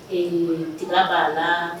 Ee dunan'a la